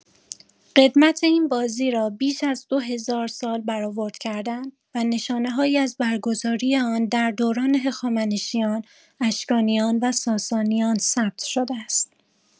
قدمت این بازی را بیش از دو هزار سال برآورد کرده‌اند و نشانه‌هایی از برگزاری آن در دوران هخامنشیان، اشکانیان و ساسانیان ثبت شده است.